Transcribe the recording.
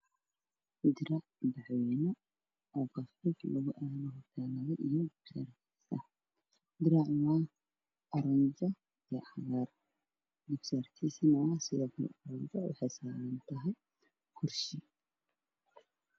Halkan waxaa jooga qof dhogood ah oo aan heysanin wax uu xirto laakiin loo keenay madowga ishalada cigaal